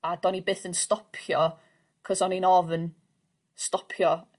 A do'n i byth yn stopio 'c'os o'n i'n ofyn stopio.